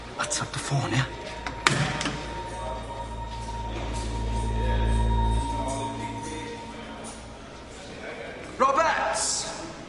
Atab dy ffôn, ia? Roberts!